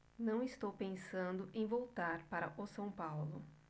não estou pensando em voltar para o são paulo